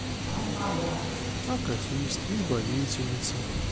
акафист избавительница